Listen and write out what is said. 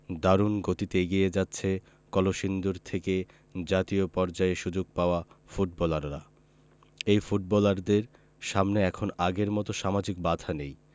দারুণ গতিতে এগিয়ে যাচ্ছে কলসিন্দুর থেকে জাতীয় পর্যায়ে সুযোগ পাওয়া ফুটবলাররা এই ফুটবলারদের সামনে এখন আগের মতো সামাজিক বাধা নেই